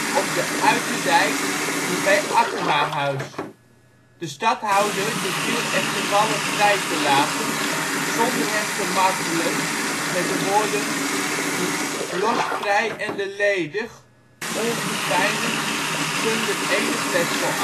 op de ' Uiterdijk bij Ackemahuis '. De stadhouder beviel echter Walle vrij te laten zonder hem te martelen met de woorden ' los vry ende leedich, ongepyniget sunder enich letsel